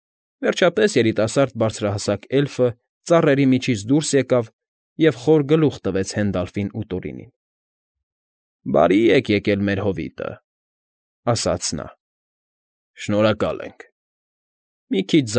Վերջապես երիտասարդ բարձրահասակ էլֆը ծառերի միջից դուրս եկավ և խոր գլուխ տվեց Հենդալֆին ու Տորինին։ ֊ Բարի եք եկել մեր հովիտը,֊ ասաց նա։ ֊ Շնորհակալ ենք,֊ մի քիչ։